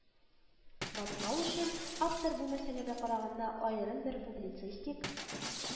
Батлау өчен, автор бу мәсьәләгә караган аерым бер публицистик